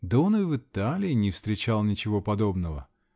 Да он и в Италии не встречал ничего подобного!